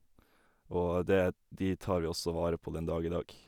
Og det er de tar vi også vare på den dag i dag.